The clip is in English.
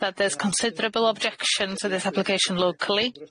that there's considerable objections of this application locally.